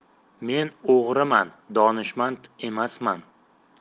men o'g'riman donishmand emasman